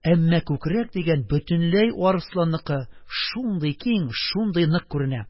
Әмма күкрәк дигән бөтенләй арысланныкы - шундый киң, шундый нык күренә.